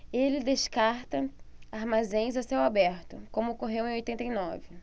ele descarta armazéns a céu aberto como ocorreu em oitenta e nove